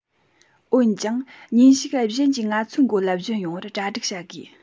འོན ཀྱང ཉིན ཞིག གཞན གྱིས ང ཚོའི མགོ ལ བཞོན ཡོང བར གྲ སྒྲིག བྱ དགོས